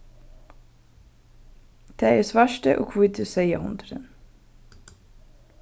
tað er svarti og hvíti seyðahundurin